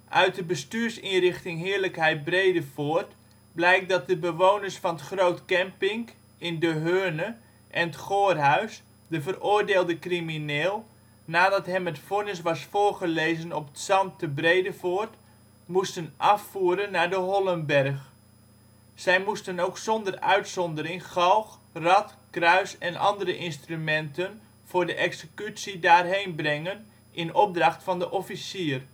Uit de " Bestuursinrichting Heerlijkheid Bredevoort " blijkt dat de bewoners van ' t Groot Kempink in de Heurne en ' t Goorhuis, de veroordeelde crimineel, nadat hem het vonnis was voorgelezen op ' t Zand te Bredevoort, hem moesten afvoeren naar de Hollenberg. Zij moesten ook zonder uitzondering galg (en), rad, kruis, en andere instrumenten voor de executie daar heen brengen in opdracht van de officier